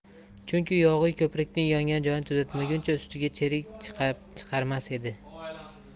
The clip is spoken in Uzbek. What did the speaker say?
chunki yog'iy ko'prikning yongan joyini tuzatmaguncha ustiga cherik chiqarmas edi